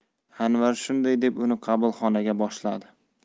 anvar shunday deb uni qabulxonaga boshladi